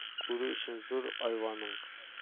Күрү өчен зур айваның